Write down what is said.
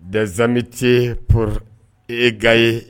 des amtiés pour egailler